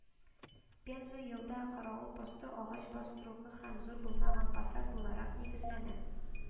Пенза елда каравыл посты агач бастругы һәм зур булмаган посад буларак нигезләнә